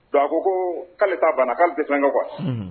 Ga a ko koo k'ale ta baana k'ale te fɛnkɛ quoi unhun